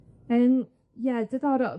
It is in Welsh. Yym ie diddorol.